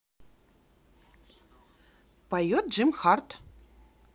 поет jim hart